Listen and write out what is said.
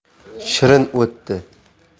shirin o'tdi